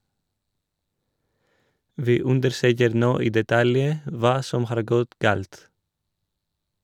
- Vi undersøker nå i detalj hva som har gått galt.